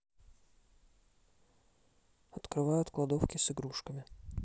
открывают кладовки с игрушками